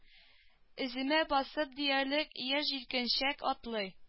Эземә басып диярлек яшьҗилкәнчәк атлый